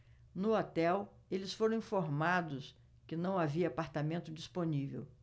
no hotel eles foram informados que não havia apartamento disponível